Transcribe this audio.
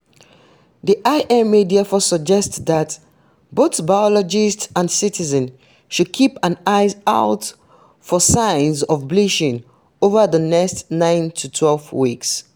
The IMA therefore suggests that both biologists and citizens should keep an eye out for signs of bleaching over the next 9-12 weeks.